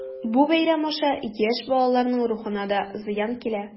Бу бәйрәм аша яшь балаларның рухына да зыян килә.